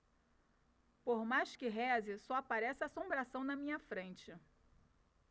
por mais que reze só aparece assombração na minha frente